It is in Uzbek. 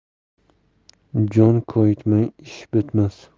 jon koyitmay ish bitmas